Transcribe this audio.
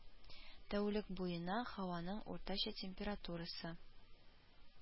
Тәүлек буена һаваның уртача температурасы